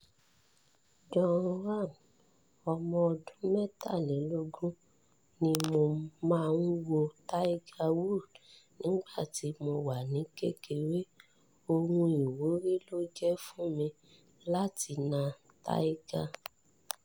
John Rahm, ọmọ ọdún 23, ní “Mo máa ń wo Tiger Woods nígbà tí mo wà ní kékeré. Ohun ìwúrí ló jẹ́ fún mi láti na Tiger.”